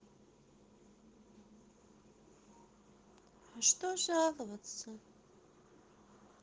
а что жаловаться